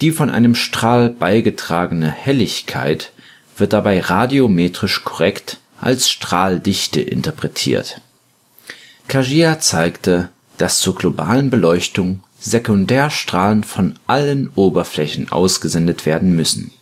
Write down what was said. von einem Strahl beigetragene „ Helligkeit “wird dabei radiometrisch korrekt als Strahldichte interpretiert. Kajiya zeigte, dass zur globalen Beleuchtung Sekundärstrahlen von allen Oberflächen ausgesendet werden müssen